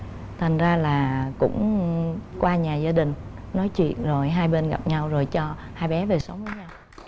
thành ra là cũng qua nhà gia đình nói chuyện rồi hai bên gặp nhau rồi cho hai bé về sống với nhau